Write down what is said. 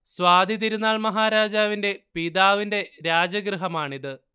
സ്വാതി തിരുനാൾ മഹാരാജാവിന്റെ പിതാവിന്റെ രാജഗൃഹമാണിത്